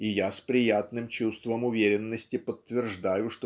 и я с приятным чувством уверенности подтверждаю